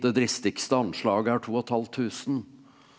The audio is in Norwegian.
det dristigste anslaget er to og et halvt tusen.